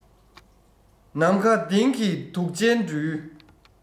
ནམ མཁའ ལྡིང གིས དུག ཅན སྦྲུལ